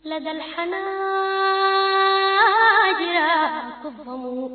Tileyan